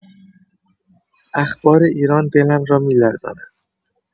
اخبار ایران دلم را می‌لرزاند.